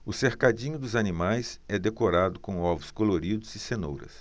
o cercadinho dos animais é decorado com ovos coloridos e cenouras